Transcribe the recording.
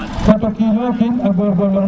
fato o kiino kiin a goor goor lox